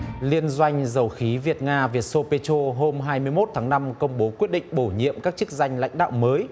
liên doanh dầu khí việt nga việt sô pê trô hôm hai mươi mốt tháng năm công bố quyết định bổ nhiệm các chức danh lãnh đạo mới